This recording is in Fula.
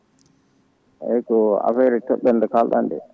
eyyi ko affaire toɓɓere nde kalɗa nde